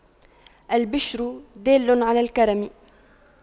الْبِشْرَ دال على الكرم